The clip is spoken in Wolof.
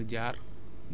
moom da koy ubbi